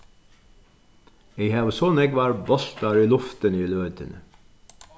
eg havi so nógvar bóltar í luftini í løtuni